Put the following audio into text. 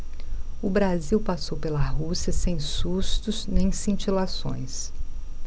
o brasil passou pela rússia sem sustos nem cintilações